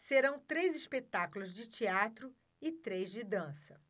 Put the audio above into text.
serão três espetáculos de teatro e três de dança